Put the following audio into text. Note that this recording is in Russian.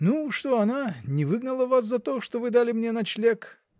Ну, что она: не выгнала вас за то, что вы дали мне ночлег?